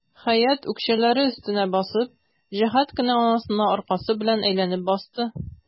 Хәят, үкчәләре өстенә басып, җәһәт кенә анасына аркасы белән әйләнеп басты.